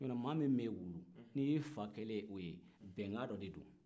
n'o tɛ maa min ma e wolo n'i y'e fa kɛlen ye o ye bɛnkan dɔ de do